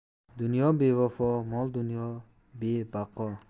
dunyo bevafo mol dunyo bebaqo